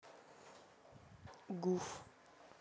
гуф